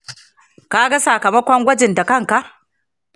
ka ga sakamakon gwajin da kanka?